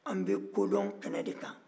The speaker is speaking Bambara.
an bɛ kodɔn kɛnɛ de kan